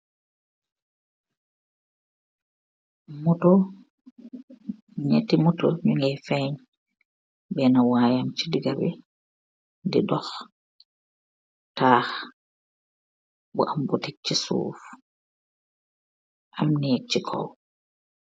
Nyeti moto nyungi fenj bena wayam si diga bi tah bu am butic si suf am nek si kaw